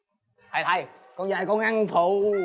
thầy thầy con về con ăn phụ hụ hụ hụ